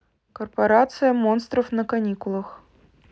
корпорация монстров на каникулах